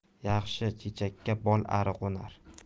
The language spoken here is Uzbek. yaxshi chechakka bolari qo'nar